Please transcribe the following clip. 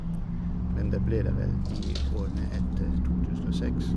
Men det ble det vel i årene etter to tusen og seks.